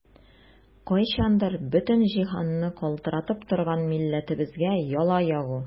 Кайчандыр бөтен җиһанны калтыратып торган милләтебезгә яла ягу!